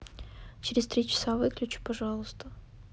через три часа выключи пожалуйста